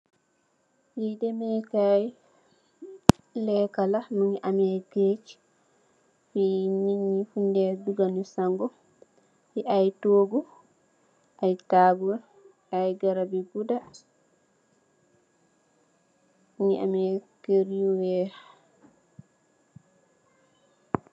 Yii dehmeh kaii lehkah la, mungy ameh geudgh, fii nitt njee fungh dae dugah nju sangu, fii aiiy tohgu, aiiy taabul, aiiy garab yu gudah, mungy ameh kerr yu wekh.